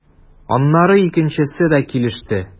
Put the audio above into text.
Аннары икенчесе дә килеште.